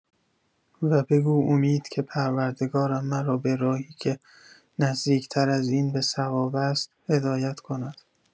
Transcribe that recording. و بگو امید که پروردگارم مرا به راهی که نزدیک‌تر از این به صواب است، هدایت کند.